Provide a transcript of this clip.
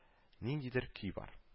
Ниндидер көй бар